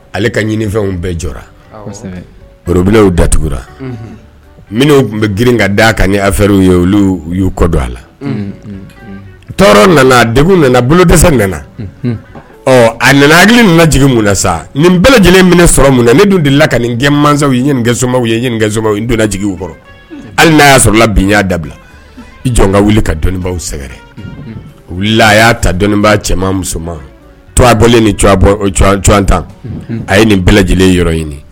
Ale ka ɲinifɛnw bɛɛ jɔ pro bɛ'u da tugura minnu tun bɛ grin ka d da kan ye a fɛrw ye olu y'u kɔ don a la tɔɔrɔ nana deg nana bolodasa nana ɔ a nana hakili nana jigin mun na sa nin bɛɛ lajɛlen minɛ sɔrɔ mun ni dun dela ka nin gɛnmanw ɲininsow ye ɲininsow in donnajigiw kɔrɔ hali n'a y'a sɔrɔ bin y'a dabila i jɔn ka wuli ka dɔnnibaw sɛgɛrɛ u la y'a ta dɔnniinbaa cɛman musoman toura bɔlen ni tan a ye nin bɛɛ lajɛlen yɔrɔ ɲini